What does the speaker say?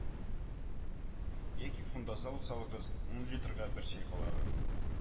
Яки фундазол салыгыз ун литрга бер чәй калагы